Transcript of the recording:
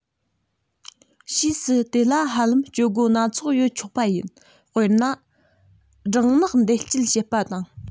ཕྱིས སུ དེ ལ ཧ ལམ སྤྱོད སྒོ སྣ ཚོགས ཡོད ཆོག པ ཡིན དཔེར ན སྦྲང ནག འདེད སྤྱད བྱེད པ དང